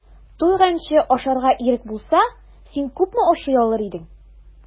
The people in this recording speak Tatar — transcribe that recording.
Туйганчы ашарга ирек булса, син күпме ашый алыр идең?